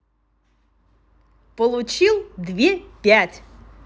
получил две пять